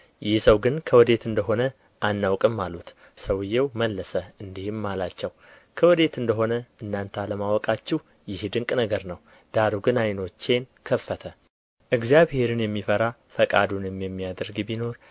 ይህ ሰው ግን ከወዴት እንደ ሆነ አናውቅም አሉት ሰውዬው መለሰ እንዲህም አላቸው ከወዴት እንደ ሆነ እናንተ አለማወቃችሁ ይህ ድንቅ ነገር ነው ዳሩ ግን ዓይኖቼን ከፈተ እግዚአብሔርን የሚፈራ ፈቃዱንም የሚያደርግ ቢኖር